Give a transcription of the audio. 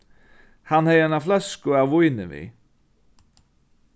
hann hevði eina fløsku av víni við